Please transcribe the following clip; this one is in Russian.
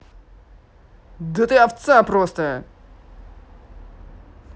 да ты овца просто